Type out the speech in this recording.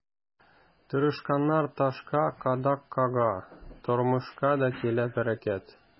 Тырышканнар ташка кадак кага, тормышка да килә бәрәкәт.